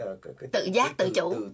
tự giác